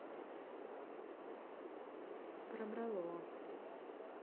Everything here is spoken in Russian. пробрало